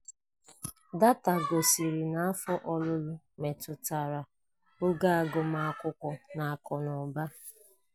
Data gosiri na afọ ọlụlụ metụtara ógó agụmakwụkwọ na akụnaụba (TDHS 201).